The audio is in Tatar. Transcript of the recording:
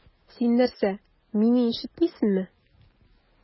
Син нәрсә, мине ишетмисеңме?